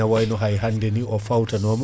ne wayno haay hannde ni o fawtanom